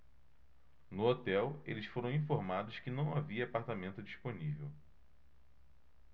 no hotel eles foram informados que não havia apartamento disponível